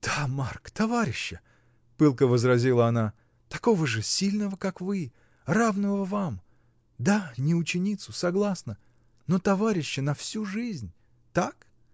— Да, Марк, товарища, — пылко возразила она, — такого же сильного, как вы, равного вам, — да, не ученицу, согласна, — но товарища на всю жизнь! Так?